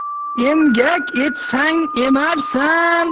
emgak etsang emarsan